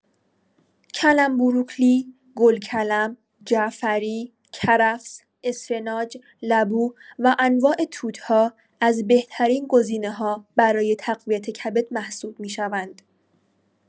کلم‌بروکلی، گل‌کلم، جعفری، کرفس، اسفناج، لبو و انواع توت‌ها از بهترین گزینه‌ها برای تقویت کبد محسوب می‌شوند.